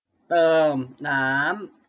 เติมน้ำ